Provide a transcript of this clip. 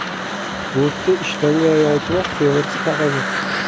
bo'zchi ishtonga yolchimas temirchi taqaga